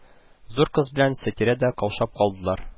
Зур кыз белән Сатирә дә каушап калдылар